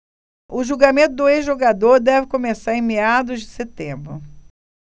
o julgamento do ex-jogador deve começar em meados de setembro